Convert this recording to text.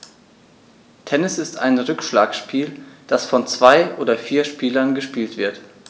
Tennis ist ein Rückschlagspiel, das von zwei oder vier Spielern gespielt wird.